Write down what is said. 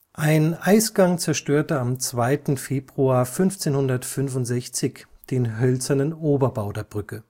Ein Eisgang zerstörte am 2. Februar 1565 den hölzernen Oberbau der Brücke